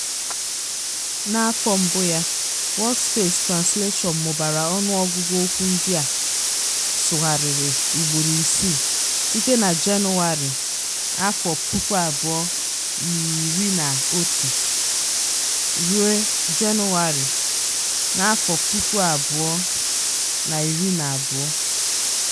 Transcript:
N’afọ mbụ ya, Workspace Translation mụbara ọnụ ọgụgụ okwu ndị a sụgharịrị ugboro isii (site na Jenụwarị 2011 ruo Jenụwarị 2012).